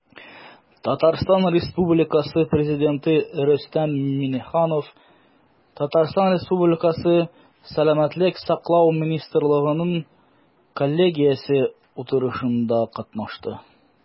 Татарстан Республикасы Президенты Рөстәм Миңнеханов ТР Сәламәтлек саклау министрлыгының коллегиясе утырышында катнашты.